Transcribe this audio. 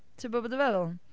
Tibod be dwi’n feddwl?